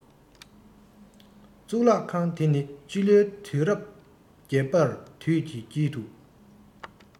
གཙུག ལག ཁང དེ ནི སྤྱི ལོའི དུས རབས ༨ པའི དུས དཀྱིལ དུ